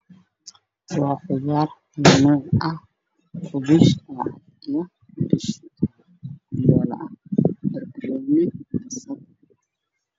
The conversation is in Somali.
Waa subar market waxaa ii muuqda shabaab uu ku jiro midabkeedu yahay caddaan